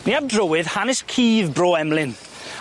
Fi ar drywydd hanes cudd Bro Emlyn